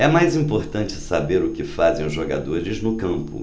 é mais importante saber o que fazem os jogadores no campo